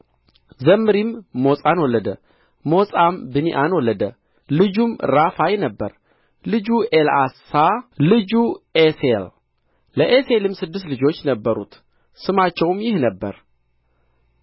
ዘምሪም ሞጻን ወለደ ሞጻም ቢንዓን ወለደ ልጁም ረፋያ ነበረ ልጁ ኤልዓሣ ልጁ ኤሴል ለኤሴልም ስድስት ልጆች ነበሩት ስማቸውም ይህ ነበረ